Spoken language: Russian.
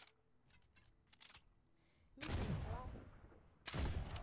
midnight love